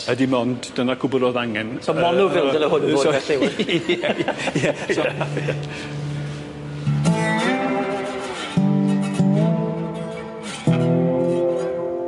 Ydi mond dyna cwbl o'dd angen yy. So Monoville dyle hwn fod felly Ie ie. so. Ie.